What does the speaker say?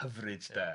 Hyfryd de?